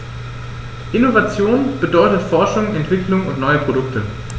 Innovation bedeutet Forschung, Entwicklung und neue Produkte.